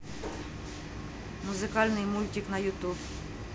музыкальный мультик на ютуб